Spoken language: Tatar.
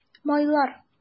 Майлар